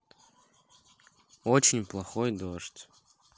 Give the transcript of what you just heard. очень плохо джой